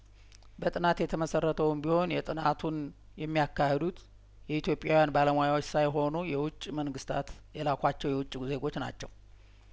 በጥናት የተመሰረተውም ቢሆን የጥናቱን የሚያካሂዱት የኢትዮጵያውያን ባለሙያዎች ሳይሆኑ የውጭ መንግስታት የላኳቸው የውጭው ዜጐች ናቸው